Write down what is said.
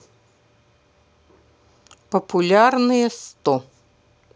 популярные сто